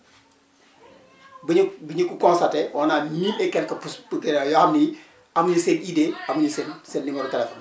bi ñu bi ñu constaté on a mille et quelque pos yoo xam ni amuñu seen idée amuñu seen seen numéro téléphone